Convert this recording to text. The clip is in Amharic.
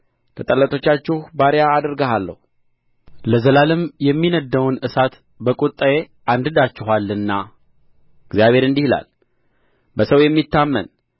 ለጠላቶቻችሁ ባሪያ አደርግሃለሁ ለዘላለም የሚነድደውን እሳት በቍጣዬ አንድዳችኋልና እግዚአብሔር እንዲህ ይላል በሰው የሚታመን